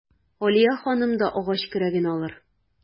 Алия ханым да агач көрәген алыр.